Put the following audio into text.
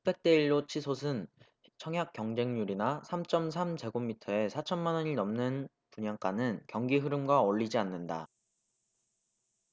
수백 대 일 로 치솟은 청약 경쟁률이나 삼 쩜 삼 제곱미터에 사천 만원이 넘은 분양가는 경기흐름과 어울리지 않는다